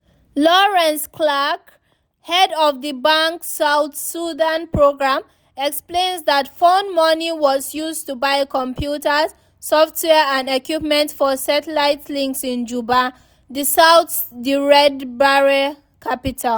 Laurence Clarke, head of the bank's south Sudan programme, explains that fund money was used to buy computers, software and equipment for satellite links in Juba, the south's threadbare capital.